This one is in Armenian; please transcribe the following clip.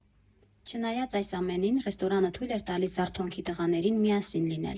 Չնայած այս ամենին, ռեստորանը թույլ էր տալիս «Զարթոնքի» տղաներին միասին լինել։